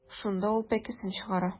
Шунда ул пәкесен чыгара.